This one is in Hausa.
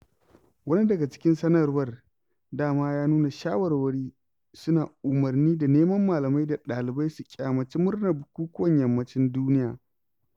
Wani daga cikin sanarwar (dama) ya nuna "Shawarwari" suna umarni da neman malamai da ɗalibai su ƙyamaci murnar bukukuwan Yammacin duniya.